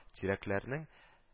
Тирәкләрнең